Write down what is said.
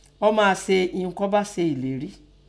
Ọ́ máa se ihun kí Ọ́ ba sè leri